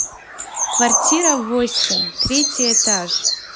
квартира восемь третий этаж